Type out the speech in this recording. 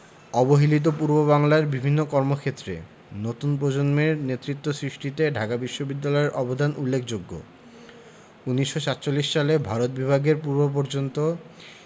অবহেলিত পূর্ববাংলার বিভিন্ন কর্মক্ষেত্রে নতুন প্রজন্মের নেতৃত্ব সৃষ্টিতে ঢাকা বিশ্ববিদ্যালয়ের অবদান উল্লেখযোগ্য ১৯৪৭ সালে ভারত বিভাগের পূর্বপর্যন্ত